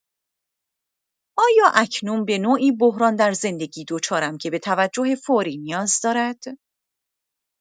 آیا اکنون به‌نوعی بحران در زندگی دچارم که به توجه فوری نیاز دارد؟